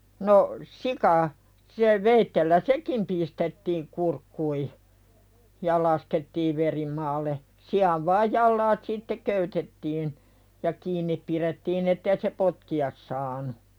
no sika se veitsellä sekin pistettiin kurkkuihin ja laskettiin veri maalle sian vain jalat sitten köytettiin ja kiinni pidettiin että ei se potkia saanut